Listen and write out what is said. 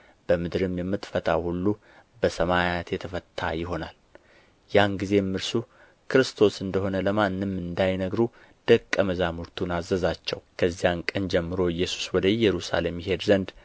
በምድርም የምትፈታው ሁሉ በሰማያት የተፈታ ይሆናል ያን ጊዜም እርሱ ክርስቶስ እንደ ሆነ ለማንም እንዳይነግሩ ደቀ መዛሙርቱን አዘዛቸው ከዚያን ቀን ጀምሮ ኢየሱስ ወደ ኢየሩሳሌም ይሄድ ዘንድ